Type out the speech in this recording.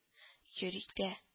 Йөри дә